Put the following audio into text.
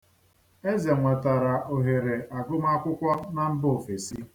Eze nwetara ohere agụmakwụkwọ na mba ofesi.